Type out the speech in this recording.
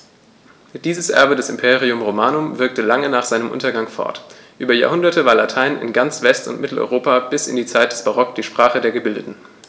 Dieses Erbe des Imperium Romanum wirkte lange nach seinem Untergang fort: Über Jahrhunderte war Latein in ganz West- und Mitteleuropa bis in die Zeit des Barock die Sprache der Gebildeten.